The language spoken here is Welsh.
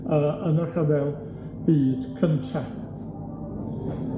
yy yn y rhyfel byd cynta.